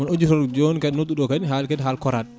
mo udditan joni kadi nodduɗo kadi ne haali kadi haala korat